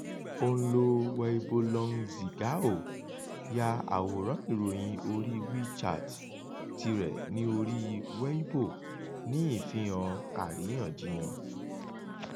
Ònlo Weibo Long Zhigao ya àwòrán ìròyìn orí WeChat ti rẹ̀ ní orí Weibo ní ìfihàn àríyànjiyàn.